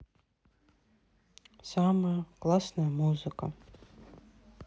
самая классная музыка